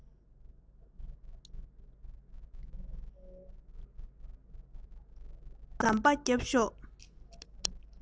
གཡུ ཐོག ཟམ པ བརྒྱབ ཤོག